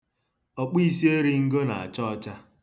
Ọkpụisieringo na-acha ọcha.